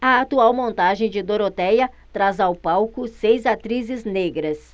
a atual montagem de dorotéia traz ao palco seis atrizes negras